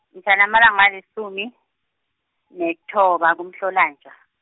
mhlana amalanga alisumi, nethoba kuMhlolanja.